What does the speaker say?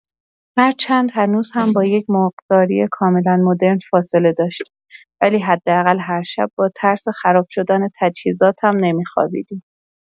هرچند هنوز هم با یه مرغداری کاملا مدرن فاصله داشتیم، ولی حداقل هر شب با ترس خراب شدن تجهیزات نمی‌خوابیدم.